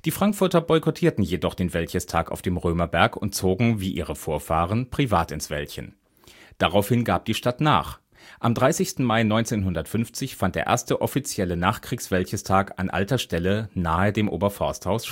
Frankfurter boykottierten jedoch den Wäldchestag auf dem Römerberg und zogen wie ihre Vorfahren privat ins Wäldchen. Daraufhin gab die Stadt nach: Am 30. Mai 1950 fand der erste offizielle Nachkriegs-Wäldchestag an alter Stelle nahe dem Oberforsthaus